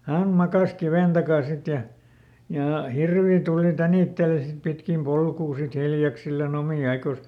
hän makasi kiven takana sitten ja ja hirvi tuli tänitteli sitten pitkin polkua sitten hiljaksillaan omia aikojansa